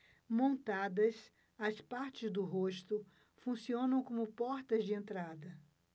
montadas as partes do rosto funcionam como portas de entrada